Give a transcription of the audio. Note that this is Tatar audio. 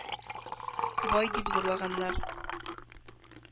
“бай“ дип зурлаганнар.